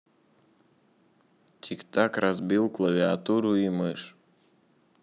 тик так разбил клавиатуру и мышь